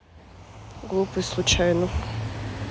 глупый случайно